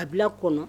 A bila kɔnɔ